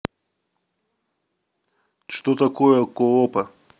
что такое колопа